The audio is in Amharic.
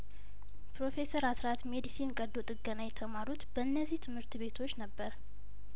ፐሮፌሰር አስራት ሜዲሲን ቀዶ ጥገና የተማሩት በእነዚሀ ትምህርት ቤቶች ነበር